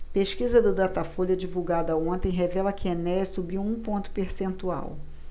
pesquisa do datafolha divulgada ontem revela que enéas subiu um ponto percentual